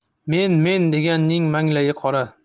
men men deganning manglayi qora